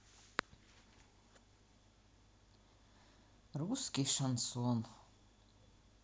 русский шансон